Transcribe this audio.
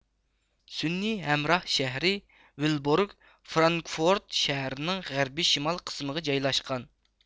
سۈنئىي ھەمراھ شەھىرى ۋىلبورىگ فرانكىفورد شەھىرىنىڭ غەربى شىمال قىسمىغا جايلاشقان